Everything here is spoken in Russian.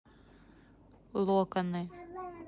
локоны